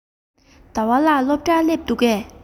ཟླ བ ལགས སློབ གྲྭར སླེབས འདུག གས